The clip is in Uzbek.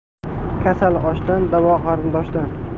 kasal oshdan davo qarindoshdan